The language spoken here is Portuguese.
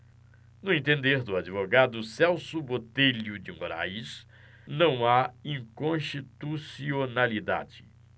no entender do advogado celso botelho de moraes não há inconstitucionalidade